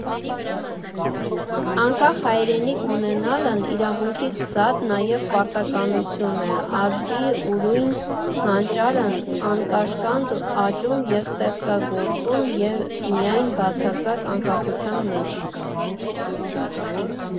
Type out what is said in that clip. Անկախ Հայրենիք ունենալն իրավունքից զատ նաև Պարտականություն է, Ազգի ուրույն հանճարն անկաշկանդ աճում և ստեղծագործում է միայն բացարձակ անկախության մեջ…